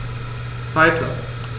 Weiter.